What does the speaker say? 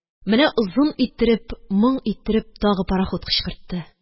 Менә озын иттереп, моң иттереп, тагы парахут кычкыртты